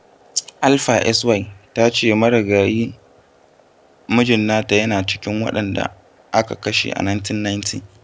Alpha Sy ta ce marigayi mijin nata yana cikin waɗanda aka kashe a 1990.